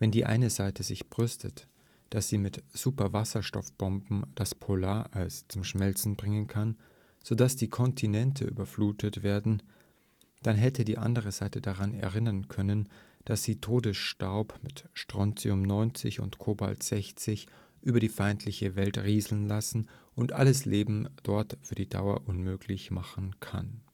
die eine Seite sich brüstet, dass sie mit Super-Wasserstoffbomben das Polareis zum Schmelzen bringen kann, so dass die Kontinente überflutet werden, dann hätte die andere Seite daran erinnern können, dass sie Todesstaub mit Strontium 90 oder Cobalt 60 über die feindliche Welt rieseln lassen und alles Leben dort für die Dauer unmöglich machen kann